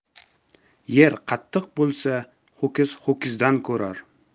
yer qattiq bo'lsa ho'kiz ho'kizdan ko'rar